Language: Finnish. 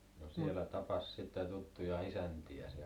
no siellä tapasi sitten tuttuja isäntiä siellä